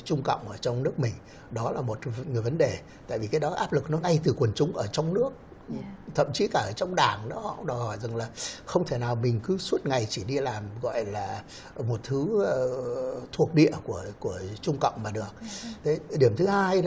trung cộng ở trong nước mình đó là một trong những vấn đề tại vì cái đó áp lực nó ngay từ quần chúng ở trong nước thậm chí cả trong đảng đó họ cũng đòi hỏi rằng là không thể nào mình cứ suốt ngày chỉ đi làm gọi là một thứ ở thuộc địa của của trung cộng mà được điểm thứ hai